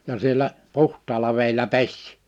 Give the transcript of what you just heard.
ja siellä puhtaalla vedellä pesi